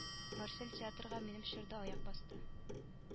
Марсель театрга минем чорда аяк басты